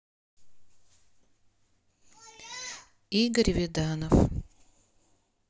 игорь виданов